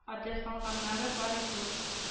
Адресланганнары бар иде